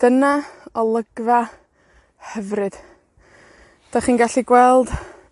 Dyna olygfa hyfryd. 'Dach chi'n gallu gweld